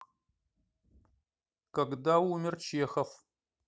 когда умер чехов